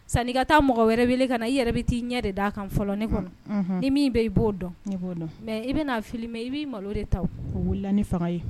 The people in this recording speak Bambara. Sani i ka taa mɔgɔ wɛrɛ wele ka na, i yɛrɛ de bɛ t'i ɲɛ de d' a kan fɔlɔ ne kɔnɔ, unhun, ni min bɛ yen, i b'o dɔn I b'o don, mais i b'a filmer i b'i malo de ta wo, un wili la ni faga ye.